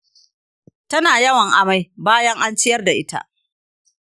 tana yawan amai bayan an ciyar da ita.